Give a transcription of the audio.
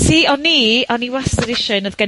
See, o'n i, o'n i wastad isie un. Odd gen...